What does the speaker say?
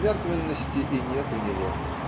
Мертвенности и нет у него.